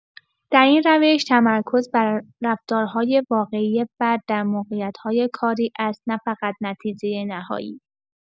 در این روش، تمرکز بر رفتارهای واقعی فرد در موقعیت‌های کاری است، نه‌فقط نتیجه نهایی.